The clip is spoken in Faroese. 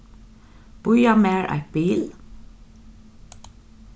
bíða mær eitt bil